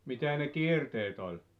mitä ne kierteet oli